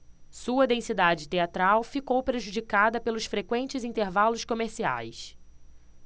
sua densidade teatral ficou prejudicada pelos frequentes intervalos comerciais